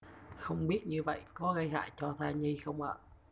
không biết như vậy có gây hại cho thai nhi không ạ